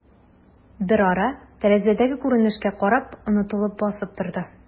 Берара, тәрәзәдәге күренешкә карап, онытылып басып торды.